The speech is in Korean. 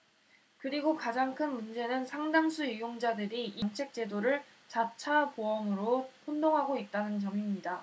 그리고 가장 큰 문제는 상당수 이용자들이 이 면책제도를 자차보험으로 혼동하고 있다는 점입니다